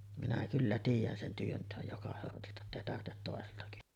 minä kyllä tiedän sen työnteon joka sortilta että ei tarvitse toisilta kysyä